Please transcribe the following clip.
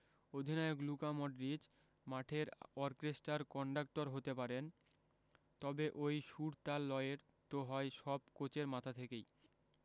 অধিনায়ক Luka Modric মাঠের অর্কেস্ট্রার কন্ডাক্টর হতে পারেন তবে ওই সুর তাল লয়ের তো হয় সব কোচের মাথা থেকেই